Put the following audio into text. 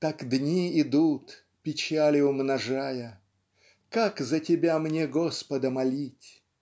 Так дни идут, печали умножая, Как за тебя мне Господа молить?